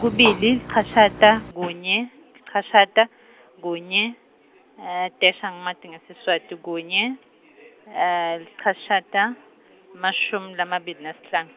kubili, licashata, kunye, licashata, kunye, dash angimati ngeSiswati, kunye, licashata, emashumi lamabili nesihlanu.